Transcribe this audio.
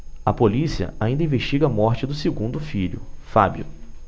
a polícia ainda investiga a morte do segundo filho fábio